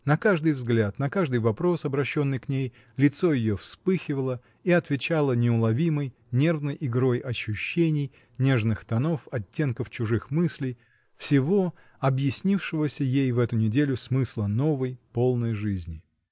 На каждый взгляд, на каждый вопрос, обращенный к ней, лицо ее вспыхивало и отвечало неуловимой, нервной игрой ощущений, нежных тонов, оттенков чутких мыслей — всего, объяснившегося ей в эту неделю смысла новой, полной жизни.